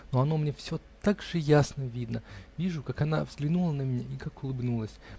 но оно мне все так же ясно видно: вижу, как она взглянула на меня и как улыбнулась.